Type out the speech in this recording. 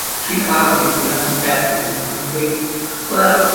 trin a thrafod hyn gyda'n ferch i wedyn, a mae'n gweud, wel